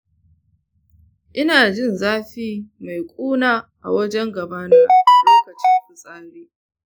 ina jin zafi mai ƙuna a wajen gabana lokacin fitsari.